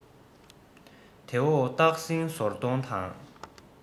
དེ འོག སྟག སྲིང ཟོར གདོང དང